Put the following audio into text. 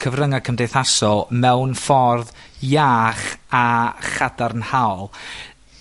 cyfrynga' cymdeithasol mewn ffordd iach a chadarnhaol.